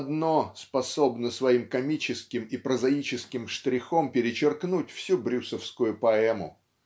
) одно способно своим комическим и прозаическим штрихом перечеркнуть всю брюсовскую поэму.